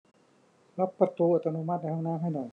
ล็อกประตูอัตโนมัติในห้องน้ำให้หน่อย